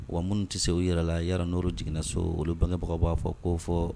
Wa minnu tɛ se u yɛrɛ la yala n jiginna so olu bangebagaw b'a fɔ ko fɔ